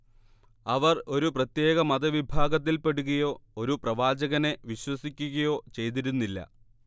അവർ ഒരു പ്രത്യേക മതവിഭാഗത്തിൽപ്പെടുകയോ ഒരു പ്രവാചകനെ വിശ്വസിക്കുകയോ ചെയ്തിരുന്നില്ല